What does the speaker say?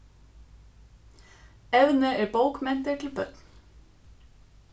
evnið er bókmentir til børn